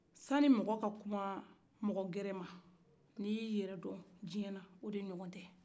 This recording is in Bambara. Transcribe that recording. sanni mɔgɔ ka kuma mɔgɔ gɛrɛ ma n'i y'i yɛrɛ dɔn diɲɛ na o de ɲɔgɔn tɛ